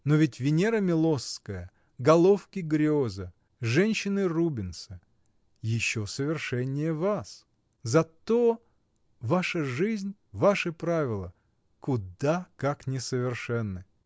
но ведь Венера Милосская, головки Грёза, женщины Рубенса — еще совершеннее вас. Зато. ваша жизнь, ваши правила. куда как несовершенны!